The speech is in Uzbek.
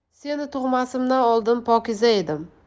seni tug'masimdan oldin pokiza edim